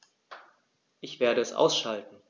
Ich werde es ausschalten